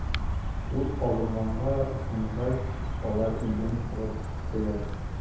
Ут кабынганга ышангач, алар өйдән чыгып киттеләр.